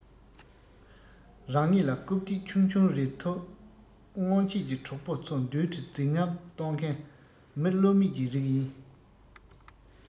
རང ཉིད ལ རྐུབ སྟེགས ཆུང ཆུང རེ ཐོབ སྔོན ཆད ཀྱི གྲོགས པོ ཚོ མདུན དུ རྫིག ཉམས སྟོན མཁན མི གློ མེད ཀྱི རིགས ཡིན